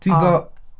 Dwi 'fo...